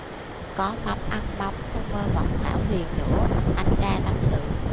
có mắm ăn mắm không mơ mộng hão huyền nữa anh k tâm sự